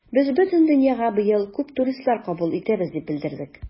Без бөтен дөньяга быел күп туристлар кабул итәбез дип белдердек.